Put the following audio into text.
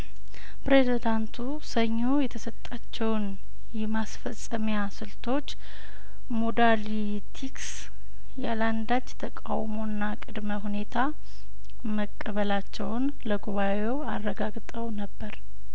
ፕሬዝዳንቱ ሰኞ የተሰጣቸውን የማስፈጸሚያ ስልቶች ሞዳሊቲ ክስ ያለአንዳች ተቃውሞና ቅድመ ሁኔታ መቀበላቸውን ለጉባኤው አረጋግጠው ነበር